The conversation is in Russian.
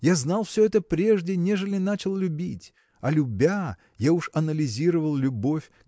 я знал все это прежде, нежели начал любить а любя я уж анализировал любовь